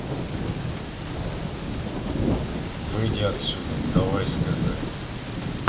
выйди отсюда давай сказать